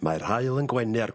Mae'r haul yn gwenu a'r...